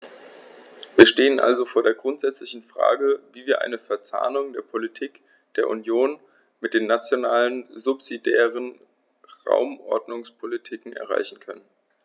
Wir stehen also vor der grundsätzlichen Frage, wie wir eine Verzahnung der Politik der Union mit den nationalen subsidiären Raumordnungspolitiken erreichen können.